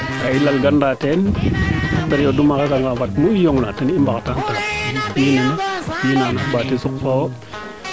i kaa i lal ganra teen periode um a xesa nga fad mu i yong na ten i mbaxtaan ta i